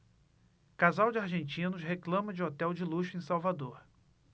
casal de argentinos reclama de hotel de luxo em salvador